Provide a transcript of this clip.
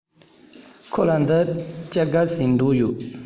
ཁོ ལ འདི བསྐྱར བསྒྲགས བྱེད འདོད ཡོད